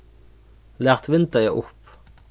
lat vindeygað upp